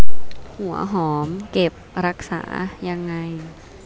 หัวหอมเก็บรักษายังไง